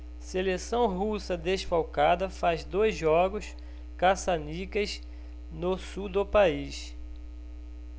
seleção russa desfalcada faz dois jogos caça-níqueis no sul do país